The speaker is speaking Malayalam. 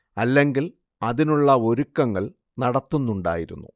അല്ലെങ്കിൽ അതിനുള്ള ഒരുക്കുങ്ങൾ നടത്തുന്നുണ്ടായിരുന്നു